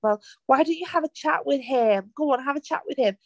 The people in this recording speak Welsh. Fel why don't you have a chat with him? Go on, have a chat with him.